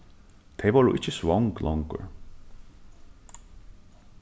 tey vóru ikki svong longur